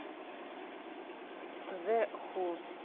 зе ху